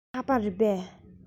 འདི ཕག པ རེད པས